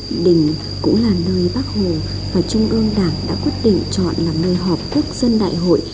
đình cũng là nơi bác hồ và trung ương đảng đã quyết định chọn là nơi họp quốc dân đại hội